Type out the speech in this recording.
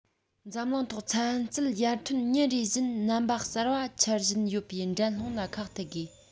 འཛམ གླིང ཐོག ཚན རྩལ ཡར ཐོན ཉིན རེ བཞིན རྣམ པ གསར པ འཆར བཞིན ཡོད པའི འགྲན སློང ལ ཁ གཏད དགོས